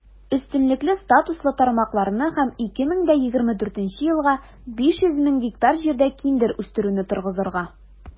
Өстенлекле статуслы тармакларны һәм 2024 елга 500 мең гектар җирдә киндер үстерүне торгызырга.